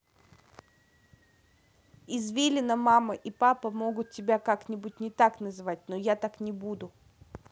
извилина мама и папа могут тебя как нибудь не так называть но я так не буду